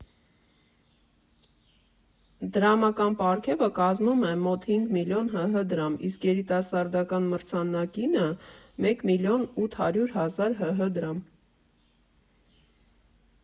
Դրամական պարգևը կազմում է մոտ հինգ միլիոն ՀՀ դրամ, իսկ երիտասարդական մրցանակինը՝ մեկ միլիոն ութ հարյուր հազար ՀՀ դրամ։